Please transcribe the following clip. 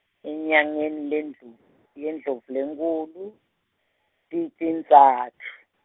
enyangeni yeNdlov-, yeNdlovulenkhulu, titintsatfu.